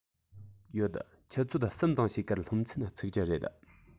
ཡོད ཆུ ཚོད གསུམ དང ཕྱེད ཀར སློབ ཚན ཚུགས ཀྱི རེད